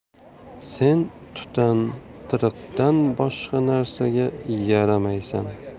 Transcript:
sen tutantiriqdan boshqa narsaga yaramaysan